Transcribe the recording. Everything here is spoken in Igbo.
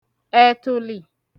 ẹ̀tùlì